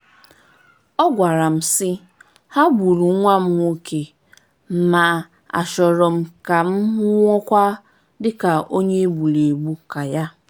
Ọ gwara m sị: "Ha gburu nwa m nwoke, ma achọrọ m ka m nwụọ kwa, dịka onye egburu egbu, ka ya.